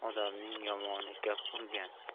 odamning yomoni gap urgan